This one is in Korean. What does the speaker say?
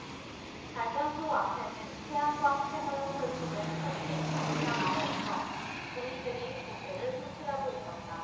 발전소 앞에서는 태양광 패널로 설치된 햇빛 가림막 아래에서 주민들이 조개를 손질하고 있었다